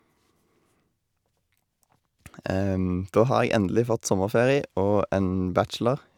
Da har jeg endelig fått sommerferie, og en bachelor.